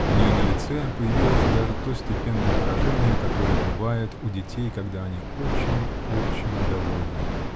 у нее на лице появилось даже то степенное выражение, какое бывает у детей, когда они очень. очень довольны.